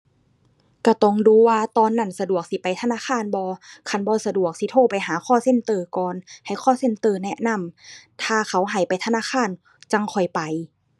ก็ต้องดูว่าตอนนั้นสะดวกสิไปธนาคารบ่ คันบ่สะดวกสิโทรไปหา call center ก่อน ให้ call center แนะนำ ถ้าเขาให้ไปธนาคารจั่งค่อยไป